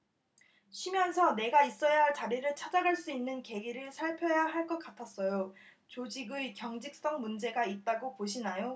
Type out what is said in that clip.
쉬면서 내가 있어야 할 자리를 찾아갈 수 있는 계기를 살펴야 할 것 같았어요 조직의 경직성 문제가 있다고 보시나요